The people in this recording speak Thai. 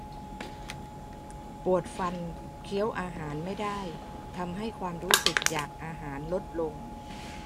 ปวดฟันเคี้ยวอาหารไม่ได้ทำให้ความรู้สึกอยากอาหารลดลง